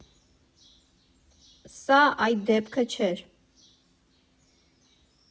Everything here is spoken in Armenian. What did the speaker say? Սա այդ դեպքը չէր։